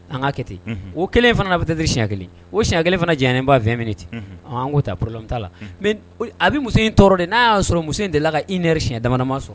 An ka kɛ ten , unhun, o kelen fana bɛ tɛ siɲɛ1 ye, o siɲɛ1 fana janyalen ba 20 minues unhun, ɔ, an k'o ta problème t'a la, mais a bɛ muso in tɔɔrɔ de, n'a y'a sɔrɔ muso in de la ka 1 heure siɲɛ damama sɔrɔ!